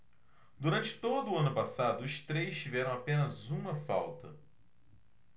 durante todo o ano passado os três tiveram apenas uma falta